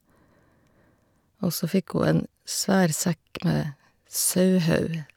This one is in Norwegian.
Og så fikk hun en svær sekk med sauhau.